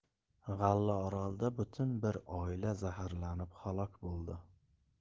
g'allaorolda butun bir oila zaharlanib halok bo'ldi